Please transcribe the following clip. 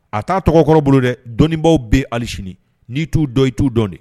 A taa tɔgɔkɔrɔ bolo dɛ, dɔnnibaaw bɛ yen hali sini n'i t'u dɔn i t'u dɔn de